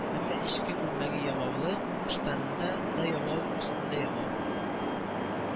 Әмма эчке күлмәге ямаулы, ыштанында да ямау өстендә ямау